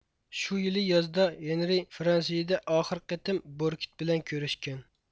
شۇ يىلى يازدا ھېنرى فرانسىيىدە ئاخىرقى قېتىم بوركىت بىلەن كۆرۈشكەن